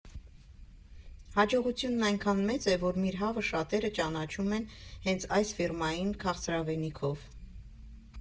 Հաջողությունն այնքան մեծ է, որ «Միրհավը» շատերը ճանաչում են հենց այս ֆիրմային քաղցրավենիքով։